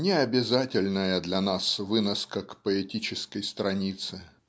необязательная для нас выноска к поэтической странице.